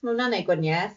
Ma hwnna'n neud gwanieth.